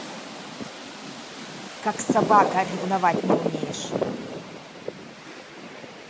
как собака ревновать не умеешь